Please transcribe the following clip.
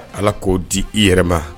Ala k'o di i yɛrɛma